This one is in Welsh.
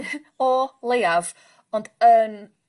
... o leiaf ond yn